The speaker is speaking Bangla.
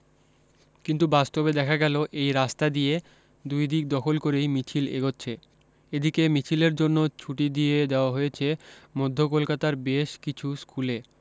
কিন্তু বাস্তবে দেখা গেল এই রাস্তা দিয়ে দুই দিক দখল করেই মিছিল এগোচ্ছে এদিকে মিছিলের জন্য ছুটি দিয়ে দেওয়া হয়েছে মধ্য কলকাতার বেশ কিছু স্কুলে